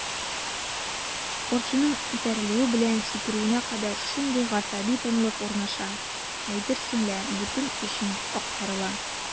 Спортчының этәрелүе белән сикерүенә кадәр шундый гасаби тынлык урнаша, әйтерсең лә бөтен эчең актарыла.